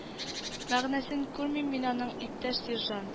Мәгънәсен күрмим мин аның иптәш сержант